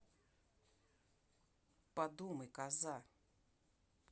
подумай коза